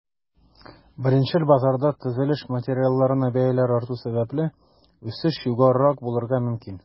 Беренчел базарда, төзелеш материалларына бәяләр арту сәбәпле, үсеш югарырак булырга мөмкин.